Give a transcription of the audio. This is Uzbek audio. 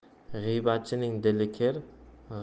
g'iybatchining dili kir